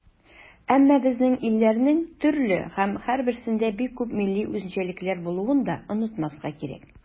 Әмма безнең илләрнең төрле һәм һәрберсендә бик күп милли үзенчәлекләр булуын да онытмаска кирәк.